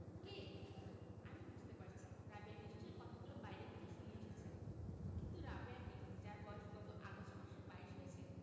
কে আমি বুঝতে পারছি রাবেয়া নিশ্চয়ই কথাগুলি বাইরে কোথাও শুনে এসেছে কিন্তু রাবেয়াকে যার বয়স গত আগস্ট মাসে বাইশ হয়েছে